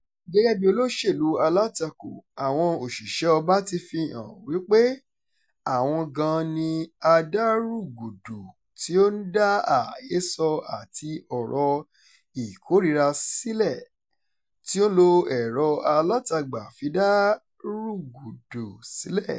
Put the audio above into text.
Gẹ́gẹ́ bíi olóṣèlú alátakò, àwọn òṣìṣẹ́ ọba ti fi hàn wípé àwọn gan-an ni adárúgúdù tí ó ń dá àhesọ àti ọ̀rọ̀ ìkórìíra sílẹ̀, tí ó ń lo ẹ̀rọ-alátagbà fi dá rúgúdù sílẹ̀.